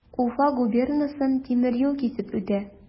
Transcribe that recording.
Уфа губернасын тимер юл кисеп үтә.